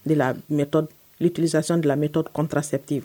Ne la mɛtɔ tirilisasi la mɛtɔ kɔnta sɛti